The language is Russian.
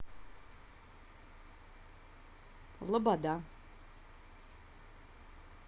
лобода